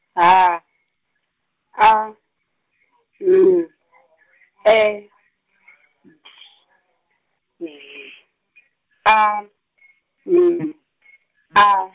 H A N E D Z A N A.